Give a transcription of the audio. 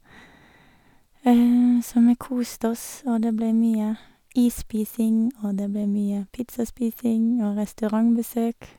Så vi koste oss, og det ble mye is-spising, og det ble mye pizza-spising og restaurantbesøk.